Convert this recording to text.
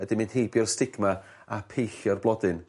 ydi mynd heibio'r stigma a peillio'r blodyn.